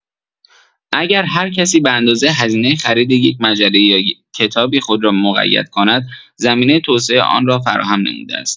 اگر هر کسی به‌اندازه هزینه خرید یک مجله یا کتابی خود را مقید کند، زمینه توسعه آن را فراهم نموده است.